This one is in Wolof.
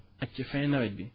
ak ci fin nawet bi